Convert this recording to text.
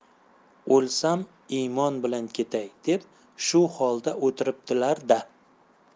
o'lsam imon bilan ketay deb shu holda o'tiribdilar da